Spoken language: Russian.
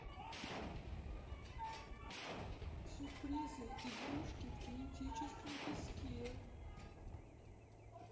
сюрпризы игрушки в кинетическом песке